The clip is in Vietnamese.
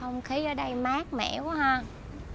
không khí ở đây mát mẻ quá ha